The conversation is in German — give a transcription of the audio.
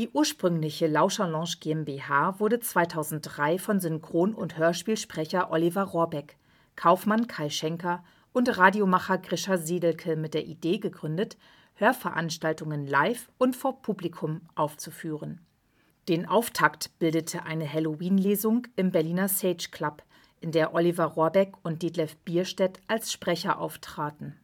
ursprüngliche Lauscherlounge GmbH wurde 2003 von Synchron - und Hörspielsprecher Oliver Rohrbeck, Kaufmann Kai Schenker und Radiomacher Grischa Sedelke mit der Idee gegründet, Hörveranstaltungen live und vor Publikum aufzuführen. Den Auftakt bildete eine Halloween-Lesung im Berliner Sage Club, in der Oliver Rohrbeck und Detlef Bierstedt als Sprecher auftraten